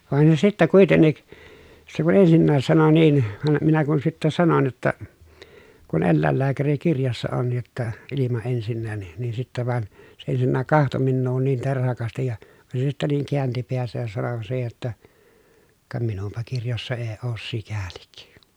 vaan se sitten kuitenkin se kun ensinnäkin sanoi niin vaan minä kun sitten sanoin jotta kun eläinlääkärikirjassa on jotta ilma ensinnäkin niin niin sitten vaan se ensinnä katsoi minua niin terhakasti ja vaan se sitten niin käänsi päänsä ja sanoi siihen jotta ka minunpa kirjoissa ei ole sikäli